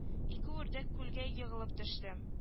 Ике үрдәк күлгә егылып төште